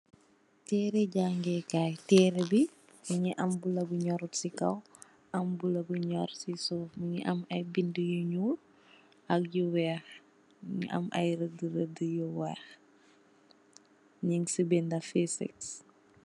Tereeh jàngeekaay, tereeh bi mungi am bulo bu nurot ci kaw am bulo bu nurr ci suuf, mungi am ay binda yu ñuul ak yu weeh. Mungi am ay rëd-rëd yu weeh. Nung ci binda physics.